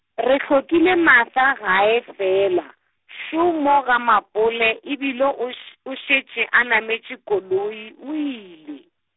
re hlokile Martha gae fela, šo mo gaMapole ebile o š-, o šetše a nametše koloi o ile.